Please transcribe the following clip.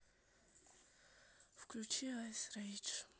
включи айс рейдж